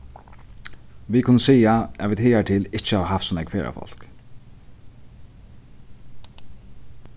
vit kunnu siga at vit higartil ikki hava havt so nógv ferðafólk